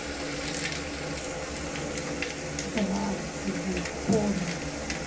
браво сергей порно